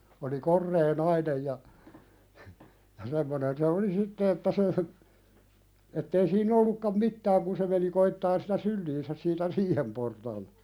oli korea nainen ja ja semmoinen se oli sitten että se että ei siinä ollutkaan mitään kun se meni koettamaan sitä syliinsä siitä riihen portaalta